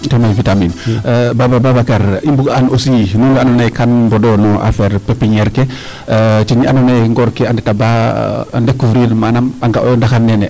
kaa may vitamine Babacar i mbung a an aussi nuun we ando naye kaan mbodoyo no affaire pepiniere ke to ne ando anye ngoor ke a ndeta baa decouvrir manam a nga oyo ndaxar nene